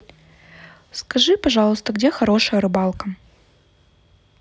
скажи пожалуйста где хорошая рыбалка